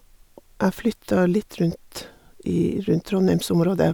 Jeg flytta litt rundt i rundt Trondheimsområdet.